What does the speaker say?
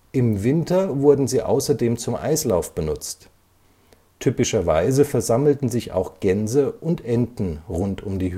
Im Winter wurden sie außerdem zum Eislauf benutzt. Typischerweise versammelten sich auch Gänse und Enten rund um die